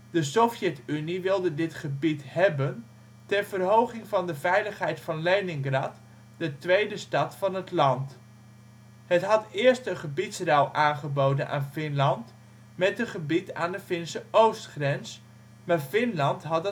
Sovjet-Unie wilde dit gebied hebben ter verhoging van de veiligheid van Leningrad, de tweede stad van het land. Het had eerst een gebiedsruil aangeboden aan Finland met een gebied aan de Finse oostgrens, maar Finland had dat